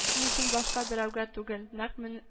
Ни өчен башка берәүгә түгел, нәкъ